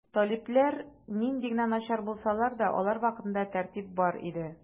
Талиблар нинди генә начар булсалар да, алар вакытында тәртип бар иде.